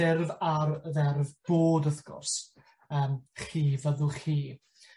furf ar y ferf bod wrth gwrs. Yym chi, fyddwch chi.